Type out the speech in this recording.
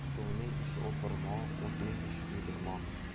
suvning ishi o'pirmoq o'tning ishi kuydirmoq